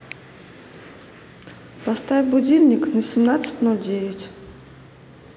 поставь будильник на семнадцать ноль девять